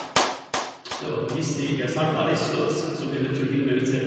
Så hvis det ikke er snart ferdig, så sk så blir jeg nødt til å begynne med vitser.